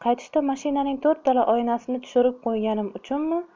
qaytishda mashinaning to'rttala oynasini tushirib qo'yganim uchunmi